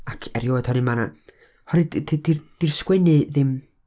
Ac, erioed oherwydd ma' 'na, oherwydd 'di- di- 'di'r sgwennu ddim...